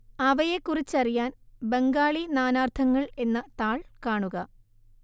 അവയെക്കുറിച്ചറിയാൻ ബംഗാളിനാനാർത്ഥങ്ങൾ എന്ന താൾ കാണുക